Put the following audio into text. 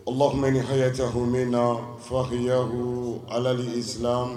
O lak ni hajah min na fakiyaku alaali siran